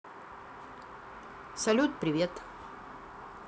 салют привет